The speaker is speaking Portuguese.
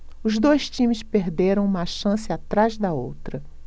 os dois times perderam uma chance atrás da outra